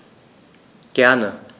Gerne.